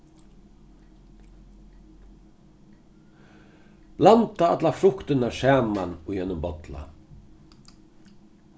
blanda allar fruktirnar saman í einum bolla